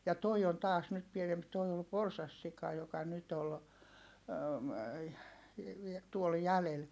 ja tuo on taas nyt pienempi tuo oli porsassika joka nyt oli tuolla jäljellä